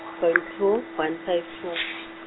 point two, point five two .